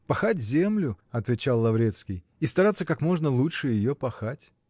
-- Пахать землю, -- отвечал Лаврецкий, -- и стараться как можно лучше ее пахать.